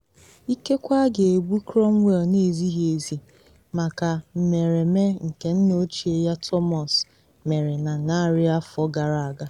Ikekwe a ga-egbu Cromwell na ezighi ezi maka mmereme nke nna ochie ya Thomas mere na narị afọ gara aga.